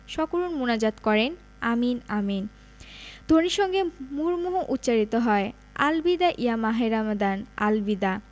সকরুণ মোনাজাত করে আমিন আমিন ধ্বনির সঙ্গে মুহুর্মুহু উচ্চারিত হয় আল বিদা ইয়া মাহে রমাদান আল বিদা